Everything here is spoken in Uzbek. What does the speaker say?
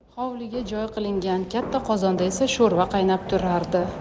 hovliga joy qilingan katta qozonda esa sho'rva qaynab turardi